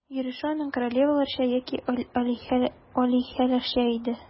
Йөреше аның королеваларча яки алиһәләрчә иде.